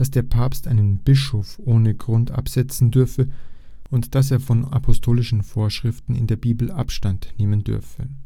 der Papst einen Bischof ohne Grund absetzen dürfe und dass er von apostolischen Vorschriften in der Bibel Abstand nehmen dürfe